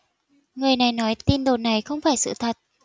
người này nói tin đồn này không phải sự thật